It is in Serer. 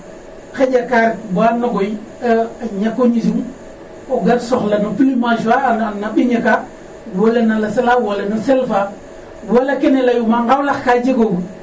xaƴa ka ret ba nogoy a ñako ñisim; o gar soxla plumage fa manam ɓiñ aka, wala na las ala, wala no sel fa wala. Kene layuma nqawlax ka jegoogu